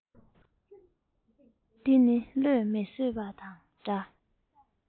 དེ ནི བློས མི བཟོད པ འདྲ